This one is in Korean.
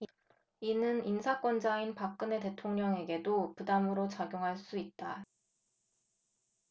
이는 인사권자인 박근혜 대통령에게도 부담으로 작용할 수 있다